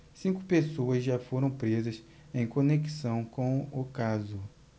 cinco pessoas já foram presas em conexão com o caso